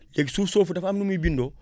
léegi suuf soosu dafa am nu muy bindoo